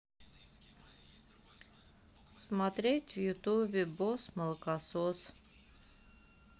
смотреть в ютубе босс молокосос